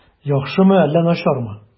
Яхшымы әллә начармы?